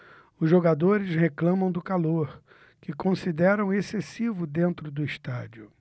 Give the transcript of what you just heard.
os jogadores reclamam do calor que consideram excessivo dentro do estádio